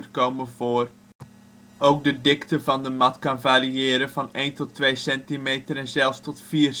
komen voor. Ook de dikte van de mat kan variëren van 1 tot 2 cm en zelfs soms